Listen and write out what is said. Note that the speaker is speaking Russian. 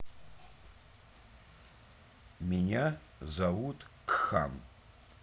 меня зовут кхан